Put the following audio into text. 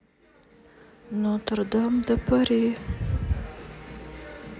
notre dame de paris